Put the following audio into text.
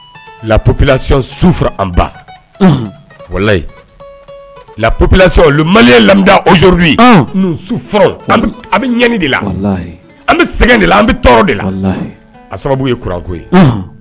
Lala su anbayi laplasi malimi ozuru su an bɛ ɲani de la an bɛ sɛgɛn de la an bɛ tɔɔrɔ de la a sababu ye kko ye